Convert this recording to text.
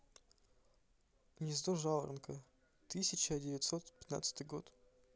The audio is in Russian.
гнездо жаворонка тысяча девятьсот пятнадцатый год